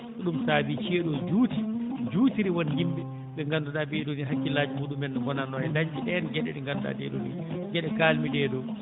ko ɗum saabi ceeɗu oo juuti juutiri won yimɓe ɓe ngannduɗaa ɓee ɗoo nii hakkillaaji muɗumen no ngonatnoo dañde ɗeen geɗe ɗe ngannduɗaa ɗee ɗoo nii geɗe kaalmi ɗee ɗoo